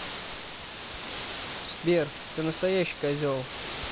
сбер ты настоящий козел